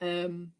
yym...